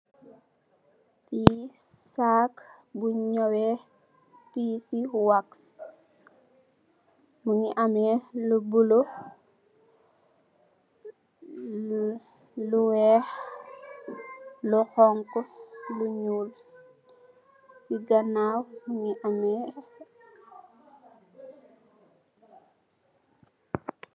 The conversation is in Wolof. Lii saak buñawee piisi wax, mungi ameh lu buleuh, lu weeh, lu xonxu, lu ñuul, si ganaaw mungi ameh